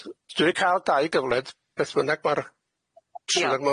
Na dwi dwi ca'l dau gyfled beth bynnag ma'r Ie.